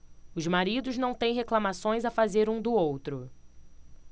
os maridos não têm reclamações a fazer um do outro